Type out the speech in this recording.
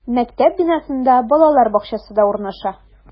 Мәктәп бинасында балалар бакчасы да урнаша.